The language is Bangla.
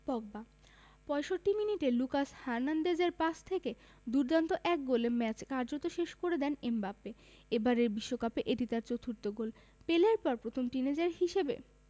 পগবা ৬৫ মিনিটে লুকাস হার্নান্দেজের পাস থেকে দুর্দান্ত এক গোলে ম্যাচ কার্যত শেষ করে দেন এমবাপ্পে এবারের বিশ্বকাপে এটি তার চতুর্থ গোল পেলের পর প্রথম টিনএজার হিসেবে